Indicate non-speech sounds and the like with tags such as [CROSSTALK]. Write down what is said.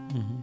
[HESITATION] [HESITATION]